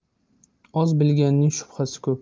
oz bilganning shubhasi ko'p